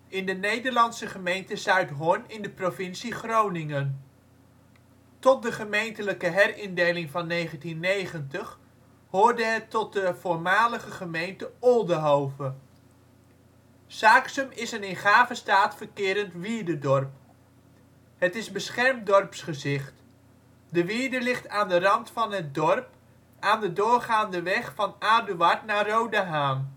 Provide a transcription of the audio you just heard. in de Nederlandse gemeente Zuidhorn (provincie Groningen). Tot de gemeentelijke herindeling van 1990 hoorde het tot de voormalige gemeente Oldehove. Saaksum is een in gave staat verkerend wierdedorp. Het is beschermd dorpsgezicht. De wierde ligt aan de rand van het dorp, aan de doorgaande weg van Aduard naar Roodehaan